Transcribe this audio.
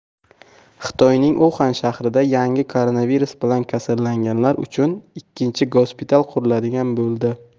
xitoyning uxan shahrida yangi koronavirus bilan kasallanganlar uchun ikkinchi gospital quriladigan bo'ldi